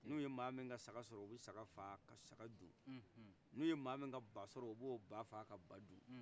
n' uye mɔgɔ min ka saka sɔrɔ ubi saka faa ka saka dun n'uye mɔgɔ min ba sɔrɔ u b'o ba faa ka ba dun